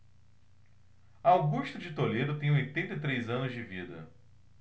augusto de toledo tem oitenta e três anos de vida